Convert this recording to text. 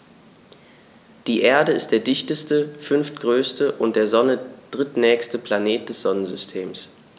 Die Erde ist der dichteste, fünftgrößte und der Sonne drittnächste Planet des Sonnensystems.